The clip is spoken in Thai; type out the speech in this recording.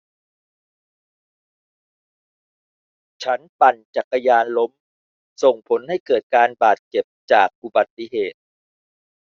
ฉันปั่นจักรยานล้มส่งผลให้เกิดการบาดเจ็บจากอุบัติเหตุ